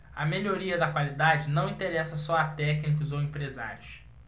a melhoria da qualidade não interessa só a técnicos ou empresários